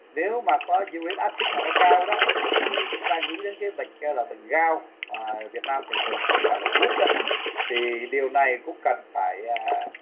nếu mà có ru ríc a xít mà nó cao đó thì chúng ta nghĩ đến cái bệnh kia là bệnh gao mà việt nam thì thường thì gọi là gút đó thì điều này cũng cần phải